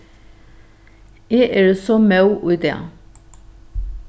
eg eri so móð í dag